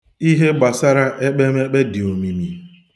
Ihe gbasara ekpemekpe dị omimi.